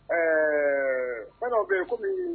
Ɛɛ fɛn dɔw bɛ yen comme